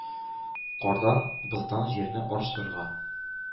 Кардан-боздан җирне арчырга.